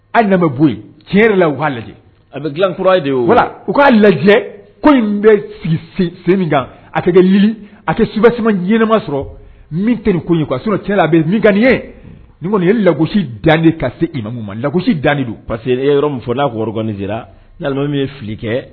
Hali nana lamɛn bɛ bɔ yen tiɲɛ yɛrɛ la u'a lajɛ a bɛ dila kura de wa u k'a lajɛ ko in bɛ se min kan a kɛli a kɛ subasi ɲɛnɛma sɔrɔ min teriye a sɔrɔ tɛ bɛ min ganani ye ye lakusi dan de ka se imamu ma lakusi danani don pa que e yɔrɔ min fɔ n'aɔrɔni sera n'alima min ye fili kɛ